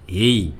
Ee